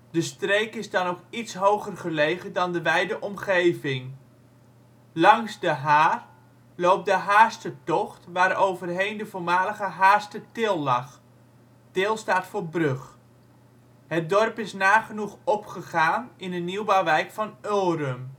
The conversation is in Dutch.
de steek is dan ook iets hoger gelegen dan de wijde omgeving. Langs De Haar loopt de Haarstertocht waar overheen de voormalige Haarstertil lag (til = brug). Het dorp is nagenoeg opgegaan in een nieuwbouwwijk van Ulrum